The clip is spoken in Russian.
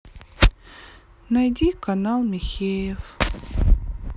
найди канал михеев